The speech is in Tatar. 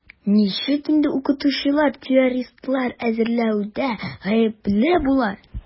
Ничек инде укытучыларны террористлар әзерләүдә гаепләп була?